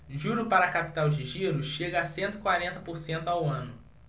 juro para capital de giro chega a cento e quarenta por cento ao ano